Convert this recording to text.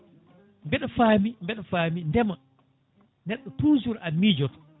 mbeɗe faami mbeɗe faami ndeema neɗɗo toujours :far a miijoto